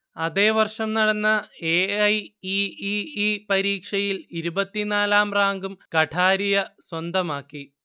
അതേവർഷം നടന്ന A. I. E. E. E പരീക്ഷയിൽ ഇരുപത്തിനാലാം റാങ്കും കഠാരിയ സ്വന്തമാക്കി